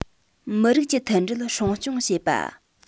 མི རིགས ཀྱི མཐུན སྒྲིལ སྲུང སྐྱོང བྱེད པ